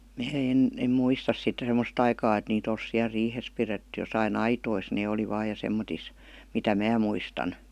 minä en en muista sitten semmoista aikaa että niitä olisi siellä riihessä pidetty jossakin aitoissa ne oli vain ja semmoisissa mitä minä muistan